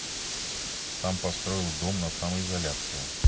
сам построил дом на самоизоляции